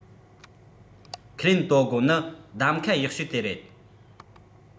ཁས ལེན ཏིའོ སྒོ ནི གདམ ཁ ཡག ཤོས དེ རེད